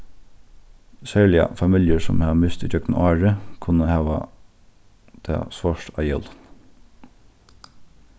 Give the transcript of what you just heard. serliga familjur sum hava mist ígjøgnum árið kunnu hava tað svárt á jólum